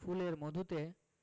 ফুলের মধুতে